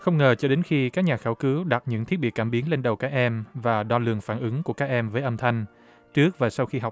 không ngờ cho đến khi các nhà khảo cứu đặt những thiết bị cảm biến lên đầu các em và đo lường phản ứng của các em với âm thanh trước và sau khi học